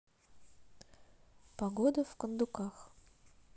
погода в кондуках